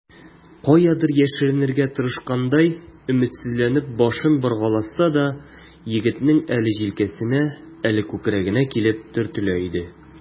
Каядыр яшеренергә тырышкандай, өметсезләнеп башын боргаласа да, егетнең әле җилкәсенә, әле күкрәгенә килеп төртелә иде.